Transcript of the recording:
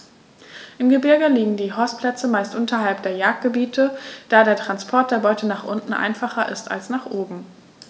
Im Gebirge liegen die Horstplätze meist unterhalb der Jagdgebiete, da der Transport der Beute nach unten einfacher ist als nach oben.